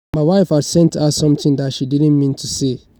"My wife had sent her something that she didn't mean to say.